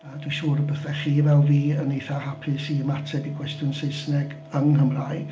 A dwi'n siŵr y byddech chi fel fi, yn eitha hapus i ymateb i gwestiwn Saesneg yng Nghymraeg.